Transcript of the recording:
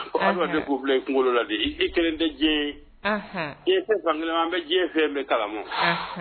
bila i kunkolo la de i 1 tɛ diɲɛ ye an bɛ diɲɛ fɛn bɛɛ kalama.